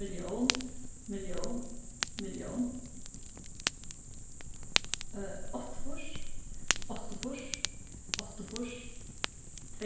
millión millión millión áttaogfýrs áttaogfýrs áttaogfýrs